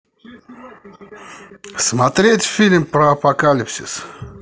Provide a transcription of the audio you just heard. смотреть фильм про апокалипсис